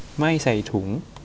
ไม่ใส่ถุง